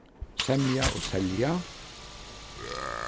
semja og selja